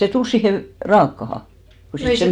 se tuli siihen - raakaan kun se